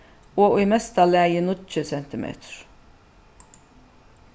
og í mesta lagi níggju cm